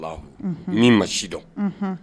Ni ma si dɔn